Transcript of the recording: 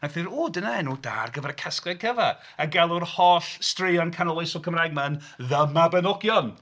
Aeth hi; "Ww, dyna enw da ar gyfer y casgliad cyfa", a galw'r holl straeon canoloesol Cymraeg yma'n The Mabiniogion.